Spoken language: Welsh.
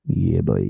Ie boi.